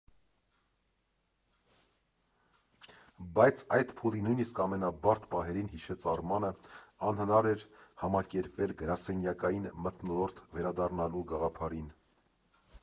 Բայց այդ փուլի նույնիսկ ամենաբարդ պահերին, հիշեց Արմանը, անհնար էր համակերպվել գրասենյակային մթնոլորտ վերադառնալու գաղափարին։